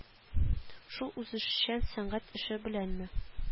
Шул үзешчән сәнгать эше беләнме